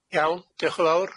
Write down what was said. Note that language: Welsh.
Iawn, diolch yn fowr.